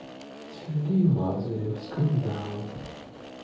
сергей лазарев скандал